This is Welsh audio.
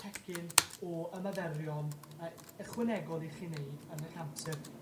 pecyn o ymaferion yy ychwanegol i chi neud yn eich amser